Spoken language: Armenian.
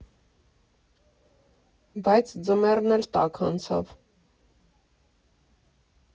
Բայց ձմեռն էլ տաք անցավ.